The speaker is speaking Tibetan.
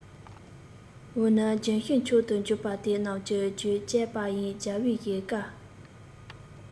འོ ན ལྗོན ཤིང མཆོག ཏུ འགྱུར པ དེ རྣམས ཀྱི རྒྱུད བཅས ཡིན པ རྒྱལ བའི བཀའ